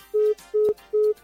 San